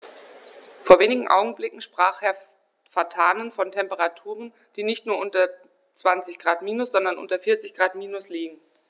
Vor wenigen Augenblicken sprach Herr Vatanen von Temperaturen, die nicht nur unter 20 Grad minus, sondern unter 40 Grad minus liegen.